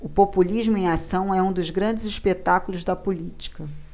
o populismo em ação é um dos grandes espetáculos da política